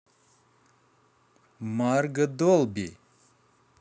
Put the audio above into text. марго долби